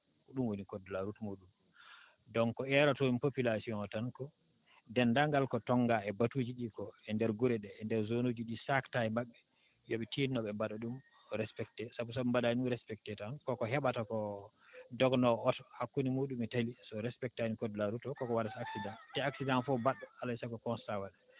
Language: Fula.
ko ɗum woni code de la route muɗum donc ko erotoomi population tan ko deenndaangal ko toŋngaa e batuji ɗii ko e ndeer gure ɗee e ndeer zone uuji ɗii saaktaa e maɓɓe yo ɓe tiinno ɓe mbaɗa ɗum respecté sabu so ɓe mbaɗaani ɗum respecté tan koko heɓata koo dognoowo oto hakkunde muɗum e tali so respect tani code de la route o koko waɗata accident te accident fof mbaɗɗo alaa e sago constat waɗa